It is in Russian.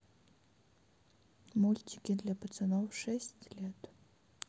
мультики для пацанов шесть лет